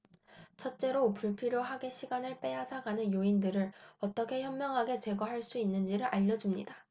첫째로 불필요하게 시간을 빼앗아 가는 요인들을 어떻게 현명하게 제거할 수 있는지를 알려 줍니다